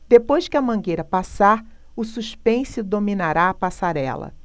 depois que a mangueira passar o suspense dominará a passarela